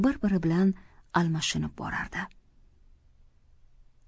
bir biri bilan almashinib borardi